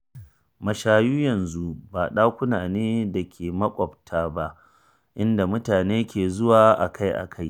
“Mashayu yanzu ba ɗakuna ne da ke makwaɓta ba inda mutane ke zuwa a-kai-a-kai.”